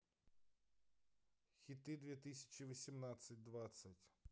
хиты две тысячи восемнадцать двадцать